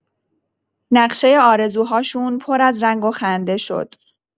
نقشۀ آرزوهاشون پر از رنگ و خنده شد.